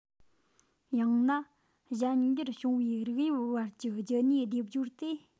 ཡང ན གཞན འགྱུར བྱུང བའི རིགས དབྱིབས བར གྱི རྒྱུད གཉིས སྡེབ སྦྱོར དེ